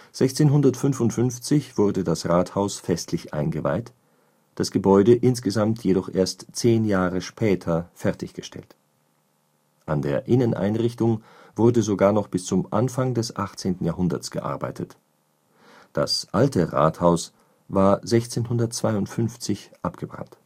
1655 wurde das Rathaus festlich eingeweiht, das Gebäude insgesamt jedoch erst zehn Jahre später fertig gestellt. An der Inneneinrichtung wurde sogar noch bis zum Anfang des 18. Jahrhunderts gearbeitet. Das alte Rathaus war 1652 abgebrannt